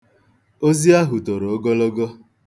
Ozi ahụ toro ogologo.